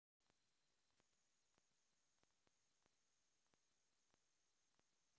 сериал на твоей стороне второй сезон